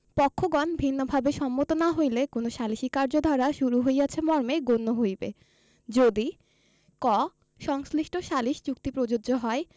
পক্ষগণ ভিন্নভাবে সম্মত না হইলে কোন সালিসী কার্যধারা শুরু হইয়াছে মর্মে গণ্য হইবে যদি ক সংশ্লিষ্ট সালিস চুক্তি প্রযোজ্য হয়